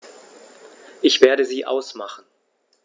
Ich werde sie ausmachen.